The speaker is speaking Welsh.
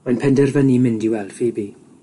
Mae'n penderfynu mynd i weld Pheobe.